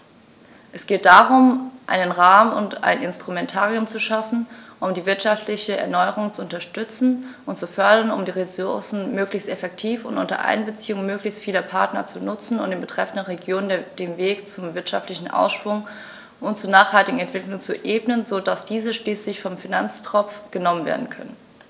Es geht darum, einen Rahmen und ein Instrumentarium zu schaffen, um die wirtschaftliche Erneuerung zu unterstützen und zu fördern, um die Ressourcen möglichst effektiv und unter Einbeziehung möglichst vieler Partner zu nutzen und den betreffenden Regionen den Weg zum wirtschaftlichen Aufschwung und zur nachhaltigen Entwicklung zu ebnen, so dass diese schließlich vom Finanztropf genommen werden können.